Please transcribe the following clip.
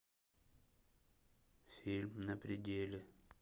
фильм на пределе